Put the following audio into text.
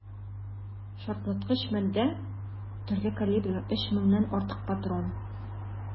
Шартлаткыч матдә, төрле калибрлы 3 меңнән артык патрон.